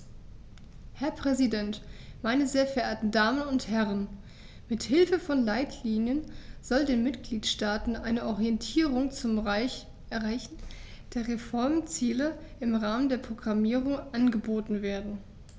Herr Präsident, meine sehr verehrten Damen und Herren, mit Hilfe von Leitlinien soll den Mitgliedstaaten eine Orientierung zum Erreichen der Reformziele im Rahmen der Programmierung angeboten werden.